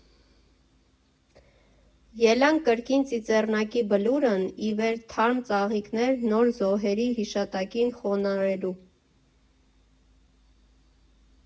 Ելանք կրկին Ծիծեռնակի բլուրն ի վեր՝ թարմ ծաղիկներ նոր զոհերի հիշատակին խոնարհելու։